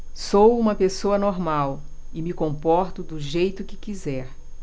sou homossexual e me comporto do jeito que quiser